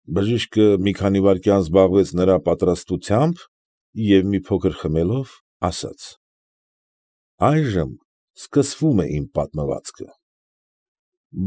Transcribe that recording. Բժիշկը մի քանի վայրկյան զբաղվեց նրա պատրաստությամբ և, մի փոքր խմելով ասաց. ֊ Այժմ սկսվում է իմ պատմվածքը։